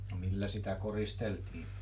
no millä sitä koristeltiin